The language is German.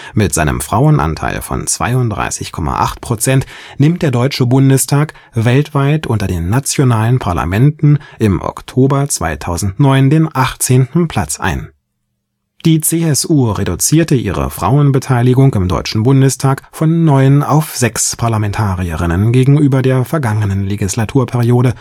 Mit seinem Frauenanteil von 32,8 % nimmt der Deutsche Bundestag weltweit unter den nationalen Parlamenten im Oktober 2009 den 18. Platz ein. Die CSU reduzierte ihre Frauenbeteiligung im Deutschen Bundestag von 9 auf 6 Parlamentarierinnen gegenüber der vergangenen Legislaturperiode